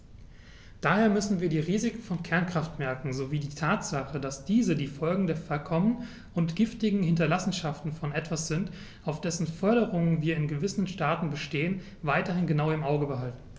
Daher müssen wir die Risiken von Kernkraftwerken sowie die Tatsache, dass diese die Folgen der verkommenen und giftigen Hinterlassenschaften von etwas sind, auf dessen Förderung wir in gewissen Staaten bestehen, weiterhin genau im Auge behalten.